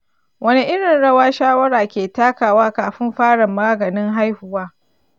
wane irin rawa shawara ke takawa kafin fara maganin haihuwa?